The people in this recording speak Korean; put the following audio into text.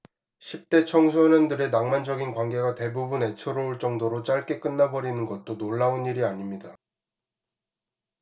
십대 청소년들의 낭만적인 관계가 대부분 애처로울 정도로 짧게 끝나 버리는 것도 놀라운 일이 아닙니다